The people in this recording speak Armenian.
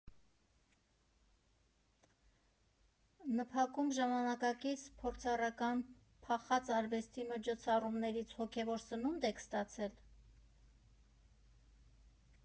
ՆՓԱԿ֊ում ժամանակակից, փորձառական, «փախած» արվեստի միջոցառումներից հոգևոր սնո՞ւնդ եք ստացել։